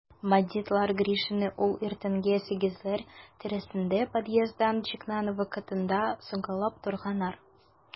Бандитлар Гришинны ул иртәнге сигезләр тирәсендә подъезддан чыккан вакытында сагалап торганнар.